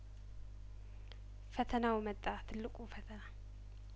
ፈተናው መጣ ትልቁ ፈተና